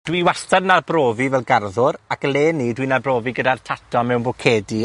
Dwi wastad yn arbrofi fel garddwr, ac eleni dwi'n arbrofi gyda'r tato mewn bwcedi.